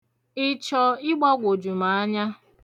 Ị chọ ịgbagwoju m anya?